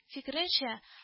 Фикеренчә